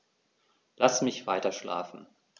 Lass mich weiterschlafen.